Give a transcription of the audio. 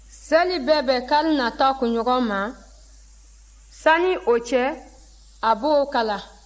seli bɛ bɛn kari nata kunɲɔgɔn ma sa ni o cɛ a b'o kala